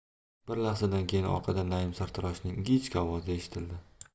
bir lahzadan keyin orqadan naim sartaroshning ingichka ovozi eshitildi